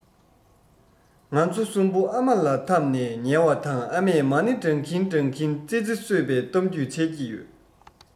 ང ཚོ གསུམ པོ ཨ མ ལ འཐམས ནས ཉལ བ དང ཨ མས མ ཎི བགྲང གིན བགྲང གིན ཙི ཙི གསོད པའི གཏམ རྒྱུད འཆད ཀྱི ཡོད